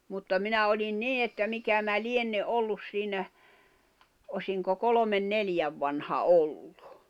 mutta minä olin niin että mikä minä lienen ollut siinä olisinko kolmen neljän vanha oli